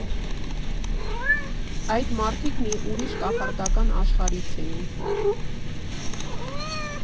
Այդ մարդիկ մի ուրիշ, կախարդական աշխարհից էին։